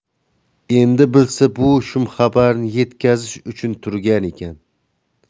endi bilsa bu shumxabarni yetkazish uchun turgan ekan